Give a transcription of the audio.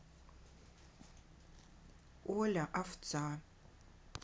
оля овца